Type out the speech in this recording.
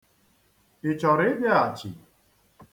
Ị chọrọ ịbịaghachi?